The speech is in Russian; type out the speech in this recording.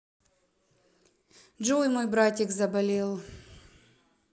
джой мой братик заболел